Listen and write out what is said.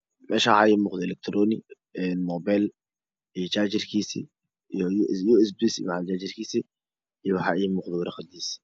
Meeshaan waxaa iiga muuqdo electronic een moobeel iyo jaajarkiisi iyo yuu yuu esbiigiisa macal jaajarkiisa iyo waxaa ii muuqdo warqadiisi